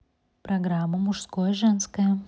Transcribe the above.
программа мужское женское